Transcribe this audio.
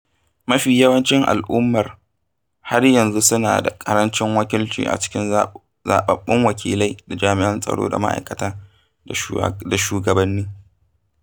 Mafi yawancin al'ummar har yanzu suna da ƙarancin wakilci a cikin zaɓaɓɓun wakilai da jami'an tsaro da ma'aikata da shugabanni.